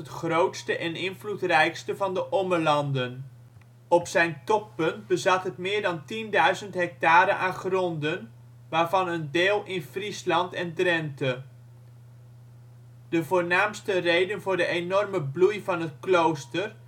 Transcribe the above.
grootste en invloedrijkste van de Ommelanden. Op zijn toppunt bezat het meer dan 10.000 ha aan gronden, waarvan een deel in Friesland en Drenthe. Zie ook Kloosterkaart Groningen De voornaamste reden voor de enorme bloei van het klooster